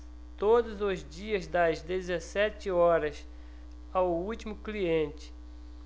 todos os dias das dezessete horas ao último cliente